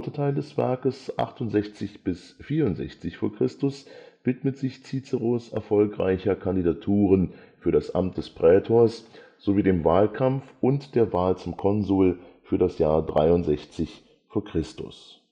Teil des Werkes (68. v. Chr. bis 64 v. Chr.) widmet sich Ciceros erfolgreicher Kandidaturen für das Amt des Prätors sowie dem Wahlkampf und der Wahl zum Konsul für das Jahr 63. v. Chr.